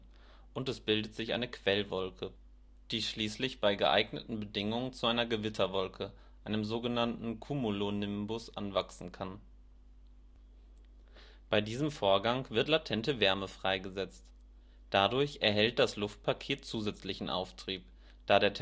die schließlich bei geeigneten Bedingungen zu einer Gewitterwolke, einem so genannten Cumulonimbus (kurz: Cb) anwachsen kann. Bei diesem Vorgang wird latente Wärme freigesetzt. Dadurch erhält das Luftpaket zusätzlichen Auftrieb, da der Temperaturunterschied